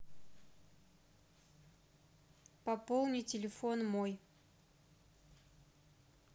пополни телефон мой